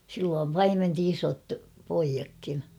silloin paimensi isot pojatkin